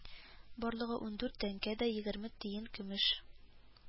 Барлыгы ундүрт тәнкә дә егерме тиен көмеш